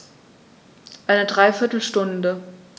Eine dreiviertel Stunde